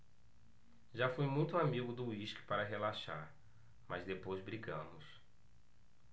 já fui muito amigo do uísque para relaxar mas depois brigamos